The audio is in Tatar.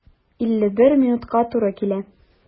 51 минутка туры килә.